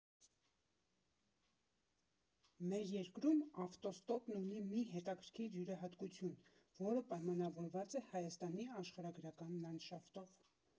Մեր երկրում ավտոստոպն ունի մի հետաքրքիր յուրահատկություն, որը պայմանավորված է Հայաստանի աշխարհագրական լանդշաֆտով։